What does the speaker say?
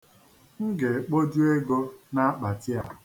M ga-ekpoju ego n'akpatị a.